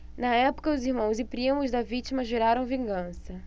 na época os irmãos e primos da vítima juraram vingança